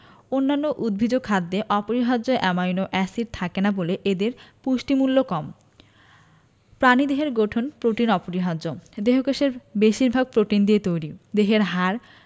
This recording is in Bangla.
অন্যান্য উদ্ভিজ্জ খাদ্যে অপরিহার্য অ্যামাইনো এসিড থাকে না বলে এদের পুষ্টিমূল্য কম প্রাণীদেহের গঠন প্রোটিন অপরিহার্য দেহকোষের বেশির ভাগ প্রোটিন দিয়ে তৈরি দেহের হাড়